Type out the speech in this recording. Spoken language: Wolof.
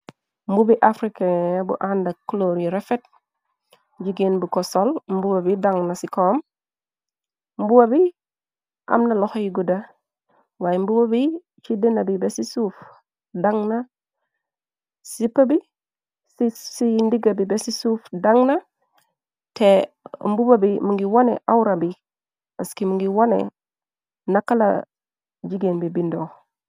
Mbubi afriqee bu ànda clor yu refet jigéen bi ko sol mbuba bi dang na si kom mbuba bi amna loxey gudda waaye mbuba bi ci dina bi besi suuf dan na sippa bi ci ndiga bi bessi suuf daŋ na te mbuba bi m ngi wone awra bi aski m ngi wone nakkala jigéen bi bindo.